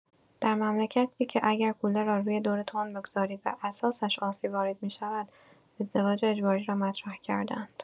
در مملکتی که اگر کولر را روی دور تند بگذارید به اساسش آسیب وارد می‌شود، ازدواج اجباری را مطرح کرده‌اند!